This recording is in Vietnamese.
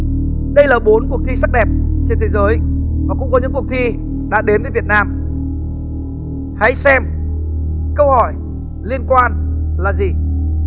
đây là bốn cuộc thi sắc đẹp trên thế giới và cũng có những cuộc thi đã đến với việt nam hãy xem câu hỏi liên quan là gì